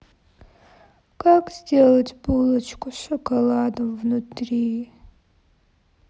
как сделать булочку с шоколадом внутри